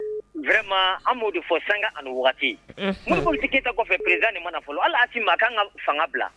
Vma an'o de fɔ san ani maa tigita kɔfɛereni mana fɔlɔ alati ma k ka kan ka fanga bila